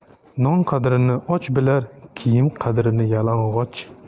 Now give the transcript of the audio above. non qadrini och bilar kiyim qadrini yalang'och